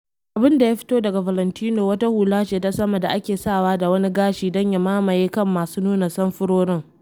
Abin da ya fito daga Valentino wata hula ce ta sama da ake sawa da wani gashi da ya mamaye kan masu nuna samfurorin.